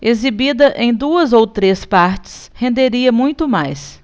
exibida em duas ou três partes renderia muito mais